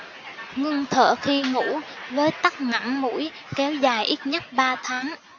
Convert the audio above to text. ngưng thở khi ngủ với tắc nghẽn mũi kéo dài ít nhất ba tháng